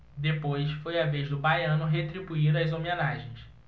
depois foi a vez do baiano retribuir as homenagens